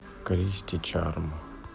кристи чарм